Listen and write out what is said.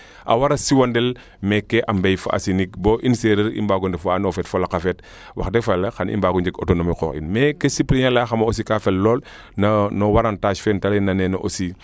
a wara siwandel meeke a mbey fa a sinig boo i sereer i mbago ndef waa ando naye o feet fo laka feet wax deg fa yala xaa i mbaago njeg autonomie qoox in mais ke suppliant leya xama aussi :gfra kaa fel lool no warantage fee te leyna aussi